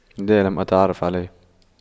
لا لم اتعرف عليه